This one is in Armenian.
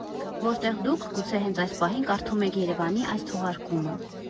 Որտեղ դուք, գուցե, հենց այս պահին կարդում եք ԵՐԵՎԱՆի այս թողարկումը։